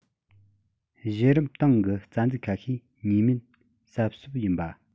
གཞི རིམ ཏང གི རྩ འཛུགས ཁ ཤས ནུས མེད ཟབ ཟོབ ཡིན པ